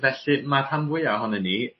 felly ma'r rhan fwya ohonyn ni